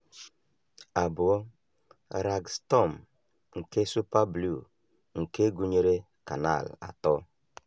2. "Rag Storm" nke Super Blue, nke gụnyere 3 Canal